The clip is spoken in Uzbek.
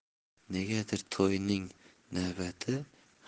negadir toyning navbati